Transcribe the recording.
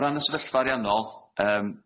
O ran y sefyllfa ariannol yym,